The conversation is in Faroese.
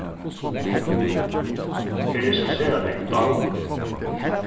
her er so sera nógv dáta